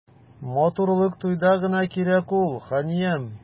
Матурлык туйда гына кирәк ул, ханиям.